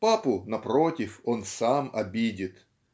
Папу, напротив, он сам обидит.